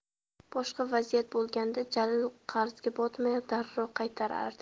boshqa vaziyat bo'lganda jalil qarzga botmay darrov qaytarardi